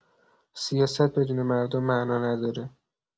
سیاست بدون مردم معنا نداره.